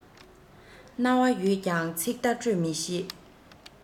རྣ བ ཡོད ཀྱང ཚིག བརྡ སྤྲོད མི ཤེས